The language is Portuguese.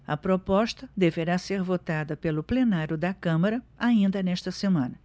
a proposta deverá ser votada pelo plenário da câmara ainda nesta semana